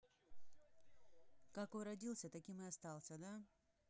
какой родился таким и остался да